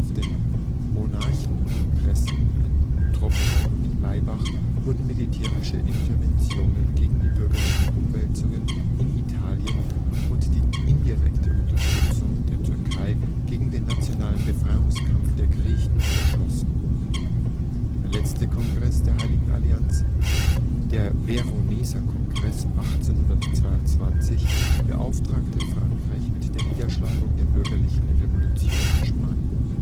den Monarchenkongressen in Troppau und Laibach wurden militärische Interventionen gegen die bürgerlichen Umwälzungen in Italien und die indirekte Unterstützung der Türkei gegen den nationalen Befreiungskampf der Griechen beschlossen. Der letzte Kongress der Heiligen Allianz, der Veroneser Kongress 1822, beauftragte Frankreich mit der Niederschlagung der bürgerlichen Revolution in Spanien